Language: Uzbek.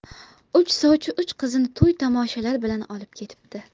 uch sovchi uch qizini to'y tomoshalar bilan olib ketibdi